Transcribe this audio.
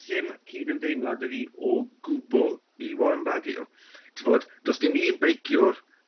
sdim cyd-ymdeimlad 'da fi o gwbwl i Warren Barguil. T'bod do's dim un beiciwr